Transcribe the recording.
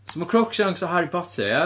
So mae Crookshanks o Harry Potter, ie?